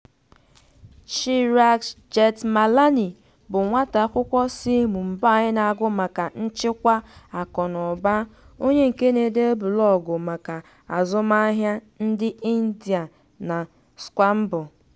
Chirag Jethmalani bụ nwata akwụkwọ si Mumbai na-agụ maka nchịkwa akụnaụba onye nke na-ede blọọgụ maka azụmụahịa ndị India na Squamble.